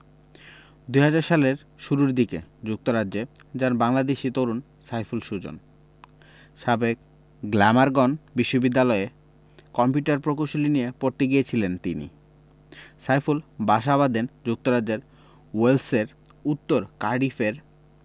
২০০০ সালের শুরু দিকে যুক্তরাজ্যে যান বাংলাদেশি তরুণ সাইফুল সুজন সাবেক গ্লামারগন বিশ্ববিদ্যালয়ে কম্পিউটার প্রকৌশল নিয়ে পড়তে গিয়েছিলেন তিনি সাইফুল বাসা বাঁধেন যুক্তরাজ্যের ওয়েলসের উত্তর কার্ডিফের